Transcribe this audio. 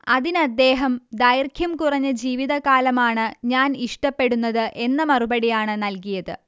അതിനദ്ദേഹം ദൈർഘ്യം കുറഞ്ഞ ജീവിതകാലമാണ് ഞാൻ ഇഷ്ടപ്പെടുന്നത് എന്ന മറുപടിയാണ് നൽകിയത്